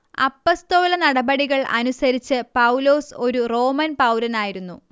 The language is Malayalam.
അപ്പസ്തോലനടപടികൾ അനുസരിച്ച് പൗലോസ് ഒരു റോമൻ പൗരനായിരുന്നു